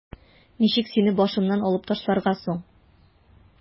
Ничек сине башымнан алып ташларга соң?